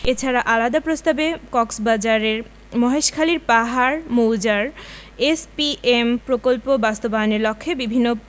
এছাড়া আলাদা প্রস্তাবে কক্সবাজারের মহেশখালীর পাহাড় মৌজার এসপিএম প্রকল্প বাস্তবায়নের লক্ষ্যে বিভিন্ন